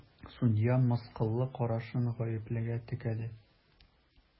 Судья мыскыллы карашын гаеплегә текәде.